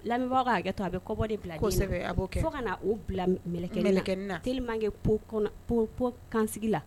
Lamɛnmibagaw a kɛ to a bɛ kɔ bɔ bila fo ka na o bilakɛ la tkɛ pp kansigi la